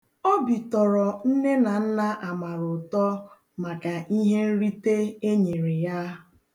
Obi tọrọ nne na nna Amara ụtọ maka ihenrite enyere ya.